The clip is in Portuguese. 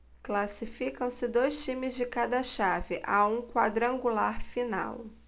classificam-se dois times de cada chave a um quadrangular final